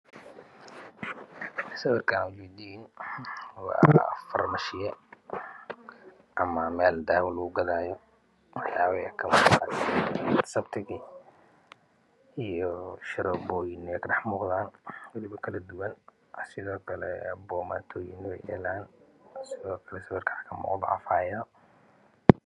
Sawirkan aad ujeedin waa farma shiyo ama meel daawo lagu gadaayo iyo sharooboyin ka dhex muuqdaan wax waliba kala duwan sida kale boomaatooyin way yaalan sidoo kale sawirka waxaa kamuuqda xafaayado